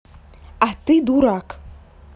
а ты дурак